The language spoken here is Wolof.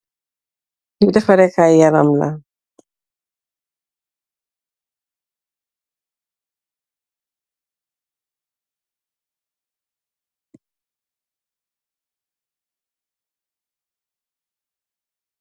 Li defareh kai yaram la.